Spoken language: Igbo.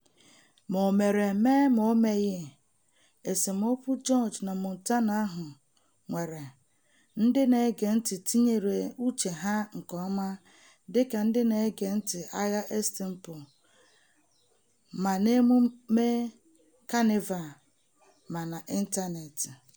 Ma o mere eme ma o meghị, esemokwu George/Montano ahụ nwere ndị na-ege ntị tinyere uche ha nke ọma dịka ndị na-ege ntị agha estempo, ma na emume Kanịva ma n'ịntaneetị.